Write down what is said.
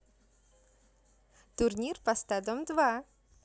турнир поста дом два